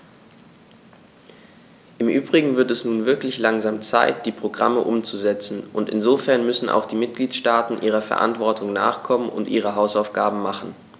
Im übrigen wird es nun wirklich langsam Zeit, die Programme umzusetzen, und insofern müssen auch die Mitgliedstaaten ihrer Verantwortung nachkommen und ihre Hausaufgaben machen.